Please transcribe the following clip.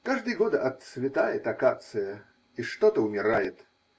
Каждый год отцветает акация, и что-то умирает.